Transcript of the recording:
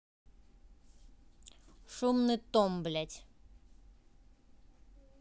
шумный том блядь